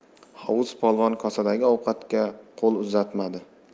hovuz polvon kosadagi ovqatga qo'l uzatmadi